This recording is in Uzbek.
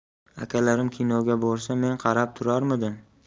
akalarim kinoga borsa men qarab turarmidim